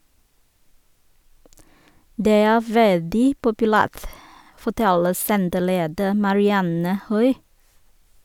Det er veldig populært, forteller senterleder Marianne Høi.